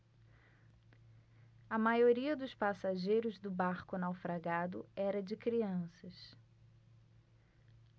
a maioria dos passageiros do barco naufragado era de crianças